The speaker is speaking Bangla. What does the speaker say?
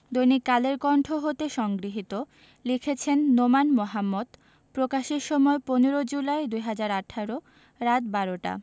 দৈনিক কালের কন্ঠ হতে সংগৃহীত লিখেছেন নোমান মোহাম্মদ প্রকাশের সময় ১৫ জুলাই ২০১৮ রাত ১২ টা